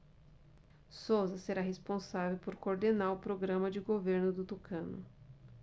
souza será responsável por coordenar o programa de governo do tucano